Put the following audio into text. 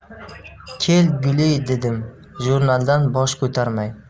kel guli dedim jurnaldan bosh ko'tarmay